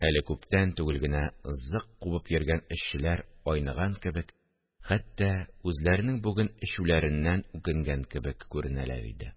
Әле күптән түгел генә зык кубып йөргән эшчеләр айныган кебек, хәтта үзләренең бүген эчүләреннән үкенгән кебек күренәләр иде